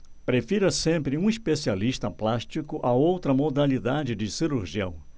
prefira sempre um especialista plástico a outra modalidade de cirurgião